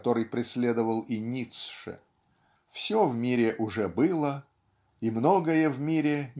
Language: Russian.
который преследовал и Ницше. Все в мире уже было и многое в мире